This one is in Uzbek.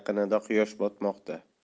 yaqinida quyosh botmoqda